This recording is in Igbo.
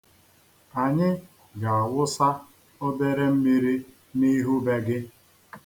Anyị ga-awụsa obere mmiri n'ihu be gị.